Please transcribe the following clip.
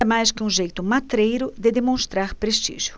nada mais que um jeito matreiro de demonstrar prestígio